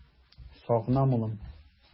Сагынам, улым!